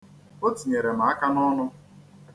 O tinyere m aka n'ọnụ.